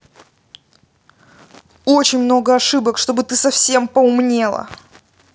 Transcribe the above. очень много ошибок чтобы ты совсем поумнела